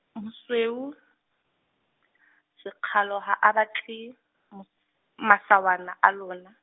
mosuwe, Sekgalo ha a batle, mo, masawana a lona.